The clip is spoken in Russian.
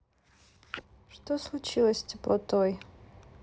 что случилось с теплой